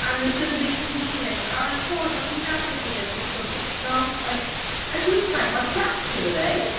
And it's just a bit convenient. And I'm sorry ma' nhw 'di nabod ei gilydd jyst dros wythnos. Like and she was crying about Jaques the other day.